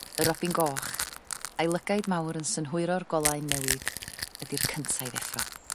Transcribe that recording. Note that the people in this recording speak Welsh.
Y robin goch a'i lygaid mawr yn synhwyro'r golau'n newid ydi'r cynta i ddeffro.